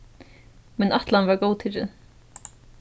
mín ætlan varð góðtikin